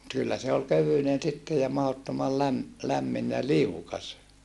kyllä se oli kevyinen sitten ja mahdottoman - lämmin ja liukas